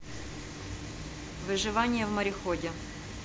выживание в мореходе